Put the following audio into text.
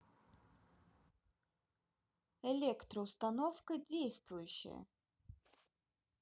электроустановка действующая